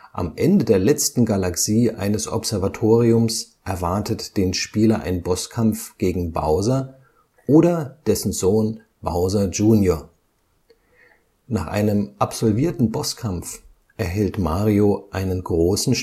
Am Ende der letzten Galaxie eines Observatoriums erwartet den Spieler ein Bosskampf gegen Bowser oder dessen Sohn Bowser Jr. Nach einem absolvierten Bosskampf erhält Mario einen Großen Stern